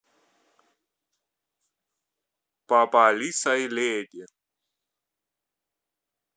папа алиса и lady